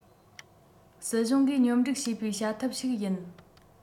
སྲིད གཞུང གིས སྙོམ སྒྲིག བྱེད པའི བྱ ཐབས ཤིག ཡིན